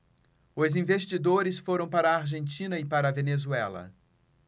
os investidores foram para a argentina e para a venezuela